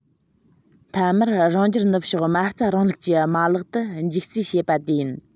མཐའ མར རང རྒྱལ ནུབ ཕྱོགས མ རྩའི རིང ལུགས ཀྱི མ ལག ཏུ འཇུག རྩིས བྱེད པ དེ ཡིན